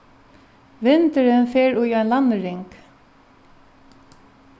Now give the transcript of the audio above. vindurin fer í ein landnyrðing